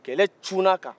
kɛlɛ cunna a kan